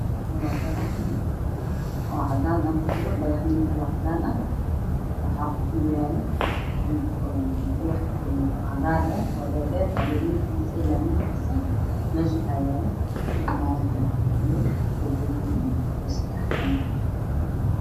Waa dhagax haddana waxaa ku dul yaallo dhagax kaloo cadaan ah waxaa ka baxayo gedo raad dheer oo caleemihiisa waaweyn oo cagaar ah